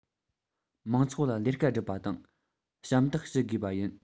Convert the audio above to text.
མང ཚོགས ལ ལས ཀ སྒྲུབ པ དང ཞབས འདེགས ཞུ དགོས པ ཡིན